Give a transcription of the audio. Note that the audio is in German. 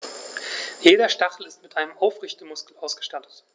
Jeder Stachel ist mit einem Aufrichtemuskel ausgestattet.